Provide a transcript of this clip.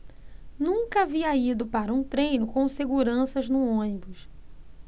nunca havia ido para um treino com seguranças no ônibus